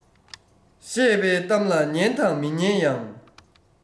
བཤད པའི གཏམ ལ ཉན དང མི ཉན ཡང